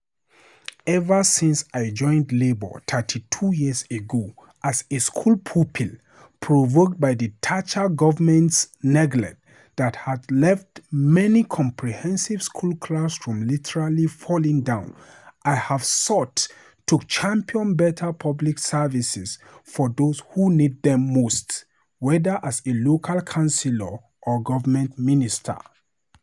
Ever since I joined Labour 32 years ago as a school pupil, provoked by the Thatcher government's neglect that had left my comprehensive school classroom literally falling down, I've sought to champion better public services for those who need them most - whether as a local councilor or government minister.